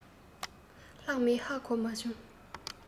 ལྷག མེད ཧ གོ མ བྱུང